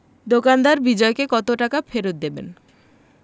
দোকানদার বিজয়কে কত টাকা ফেরত দেবেন